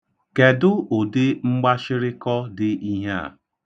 Kedụ ụdị mgbashịrịkọ dị ihe a?